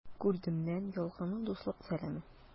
Күрдемнән ялкынлы дуслык сәламе!